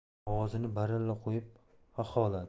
ovozini baralla qo'yib xaxoladi